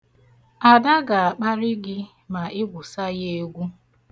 Ada ga-akparị gị ma ị gwusa ya egwu.